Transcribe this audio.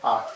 waaw